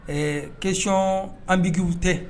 Ɛɛ questions ambiguës tɛ